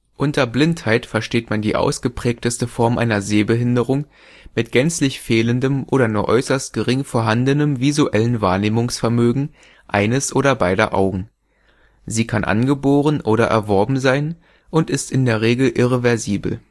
Unter Blindheit versteht man die ausgeprägteste Form einer Sehbehinderung mit gänzlich fehlendem oder nur äußerst gering vorhandenem visuellen Wahrnehmungsvermögen eines oder beider Augen. Sie kann angeboren oder erworben sein und ist in der Regel irreversibel